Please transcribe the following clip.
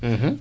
t